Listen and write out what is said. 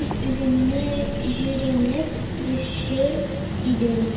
үз-үземнән җирәнеп яшәр идем.